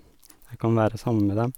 Jeg kan være sammen med dem.